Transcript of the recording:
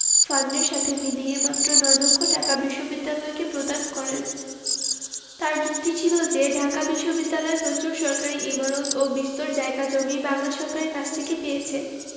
ফান্ডেলর সাথে মিলিয়ে মাত্র নয় লক্ষ টাকা বিশ্ববিদ্যালয়কে প্রদান করেন তাঁর যুক্তি ছিল যে ঢাকা বিশ্ববিদ্যালয় প্রচুর সরকারি ইমারত ও বিস্তর জায়গা জমি বাংলা সরকারের কাছ থেকে পেয়েছে